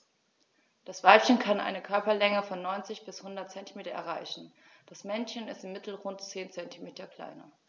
Das Weibchen kann eine Körperlänge von 90-100 cm erreichen; das Männchen ist im Mittel rund 10 cm kleiner.